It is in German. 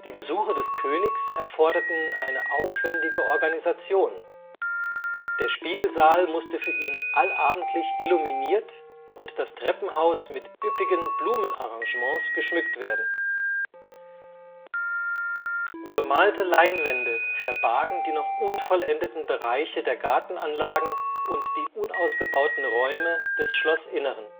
Besuche des Königs erforderten eine aufwendige Organisation; der Spiegelsaal musste für ihn allabendlich illuminiert und das Treppenhaus mit üppigen Blumenarrangements geschmückt werden. Bemalte Leinwände verbargen die noch unvollendeten Bereiche der Gartenanlagen und die unausgebauten Räume des Schlossinneren